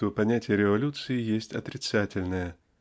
что понятие революции есть отрицательное